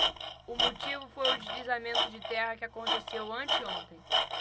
o motivo foi o deslizamento de terra que aconteceu anteontem